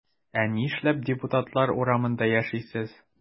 Ә нишләп депутатлар урамында яшисез?